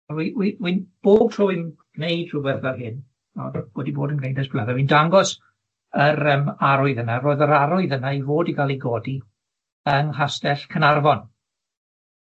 Wi wi wi'n bob tro wi'n gwneud rhywbeth fel hyn, a wedi bod yn gwneud ers blynedd fi'n dangos yr yym arwydd yna, ro'dd yr arwydd yna i fod i ga'l 'i godi yng Nghastell Carnarfon,